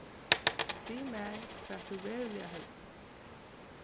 sig mær hvat tú veruliga heldur